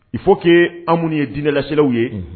Il faut que an minnu ye dinɛlaselaw ye, unhun